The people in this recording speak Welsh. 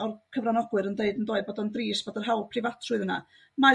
o'r cyfranogwyr yn deud yn doedd? Bod yn drist bod yr hawl preifatrwydd yna mae